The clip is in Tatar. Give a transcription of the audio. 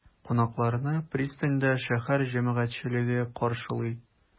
Кунакларны пристаньда шәһәр җәмәгатьчелеге каршылый.